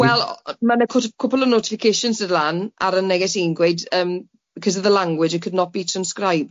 Wel ma' 'na cw- cwpwl o notifications dod lan ar 'y neges i'n gweud yym 'because of the language it could not be transcribed.'